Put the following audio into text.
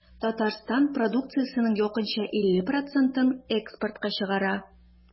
Татарстан продукциясенең якынча 50 процентын экспортка чыгара.